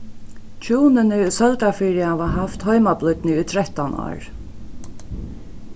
hjúnini í søldarfirði hava havt heimablídni í trettan ár